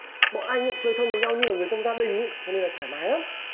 bọn anh ý chơi thân với nhau như là người trong gia đình cho nên là thoải mái lắm